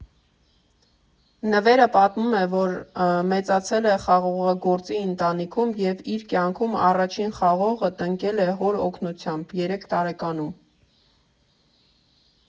Նվերը պատմում է, որ մեծացել է խաղողագործի ընտանիքում և իր կյանքում առաջին խաղողը տնկել է հոր օգնությամբ՝ երեք տարեկանում։